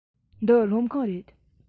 འདི སློབ ཁང རེད